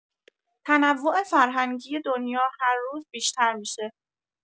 تنوع فرهنگی دنیا هر روز بیشتر می‌شه.